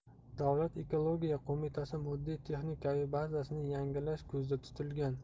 davlat ekologiya qo'mitasi moddiy texnikaviy bazasini yangilash ko'zda tutilgan